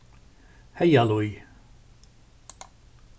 heygalíð